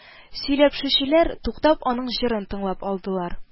Сөйләпшүчеләр, туктап, аның җырын тыңлап алдылар